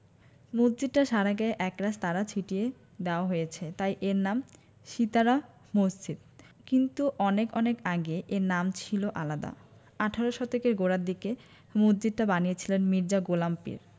মসজিদটার সারা গায়ে একরাশ তারা ছিটিয়ে দেয়া হয়েছে তাই এর নাম সিতারা মসজিদ কিন্তু অনেক অনেক আগে এর নাম ছিল আলাদা আঠারো শতকের গোড়ার দিকে মসজিদটা বানিয়েছিলেন মির্জা গোলাম পীর